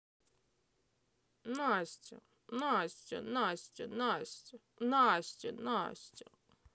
настя настя настя настя настя настя